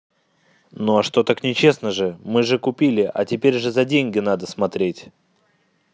ну а что так нечестно же мы же купили а теперь же за деньги надо смотреть